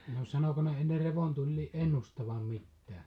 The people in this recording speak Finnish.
no sanoiko ne ennen revontulien ennustavan mitään